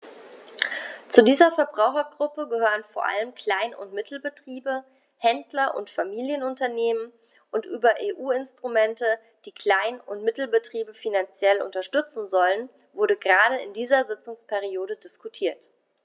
Zu dieser Verbrauchergruppe gehören vor allem Klein- und Mittelbetriebe, Händler und Familienunternehmen, und über EU-Instrumente, die Klein- und Mittelbetriebe finanziell unterstützen sollen, wurde gerade in dieser Sitzungsperiode diskutiert.